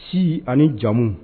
Si ani jamu